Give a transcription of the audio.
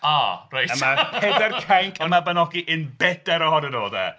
A reit! ... A mae pedair cainc Y Mabinogi yn bedair ohonyn nhw 'de.